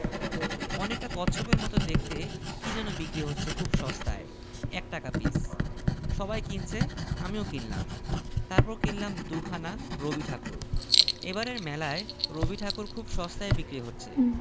অনেকটা কচ্ছপের মত দেখতে কি যেন বিক্রি হচ্ছে খুব সস্তায় এক টাকা পিস সবাই কিনছে আমিও কিনলাম তারপর কিনলাম দু'খানা রবিঠাকুর এবারের মেলায় রবিঠাকুর খুব সস্তায় বিক্রি হচ্ছে